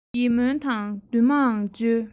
ཡིད སྨོན དང འདུན མའང བཅོལ